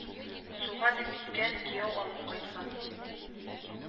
Суга дип киткән, кияү алып кайткан